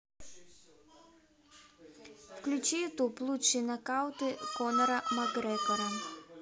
включи ютуб лучшие нокауты конора макгрегора